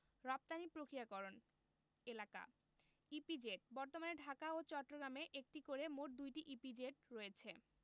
রপ্তানি প্রক্রিয়াকরণ এলাকাঃ ইপিজেড বর্তমানে ঢাকা ও চট্টগ্রামে একটি করে মোট ২টি ইপিজেড রয়েছে